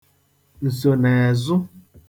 ǹsònezụ